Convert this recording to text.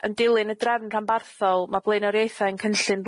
Yn dilyn y drefn rhanbarthol ma' bleunorieuthau'n cynllun